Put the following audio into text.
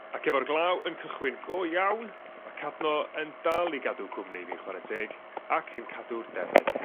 Ac efo'r glaw yn cychwyn go iawn ma' cadno yn dal i gadw cwmni fi chwarae teg ac yn cadw'r defed